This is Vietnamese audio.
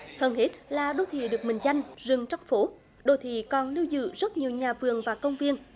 hơn hết là đô thị được mệnh danh rừng trong phố đô thị còn lưu giữ rất nhiều nhà vườn và công viên